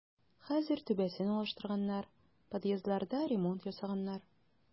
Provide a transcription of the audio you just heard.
Хәзер түбәсен алыштырганнар, подъездларда ремонт ясаганнар.